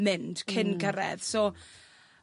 mynd cyn cyrredd so